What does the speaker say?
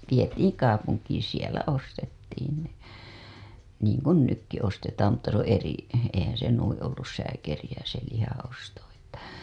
vietiin kaupunkiin siellä ostettiin ne niin kuin nytkin ostetaan mutta se on - eihän se noin ollut sääkeriä se lihan osto että